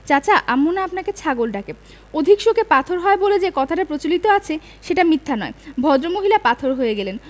চাচা আম্মু না আপনাকে ছাগল ডাকে অধিক শোকে পাথর বলে যে কথাটা প্রচলিত আছে সেটা মিথ্যা নয় ভদ্র মহিলা পাথর হয়ে গেলেন